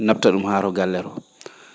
na?ta ?um ha ro galle roo